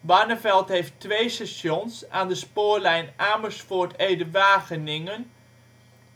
Barneveld heeft twee stations aan de spoorlijn Amersfoort - Ede-Wageningen,